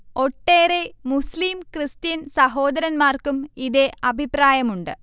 ഒട്ടേറെ മുസ്ലിം കൃസ്ത്യൻ സഹോദരന്മാർക്കും ഇതേ അഭിപ്രായമുണ്ട്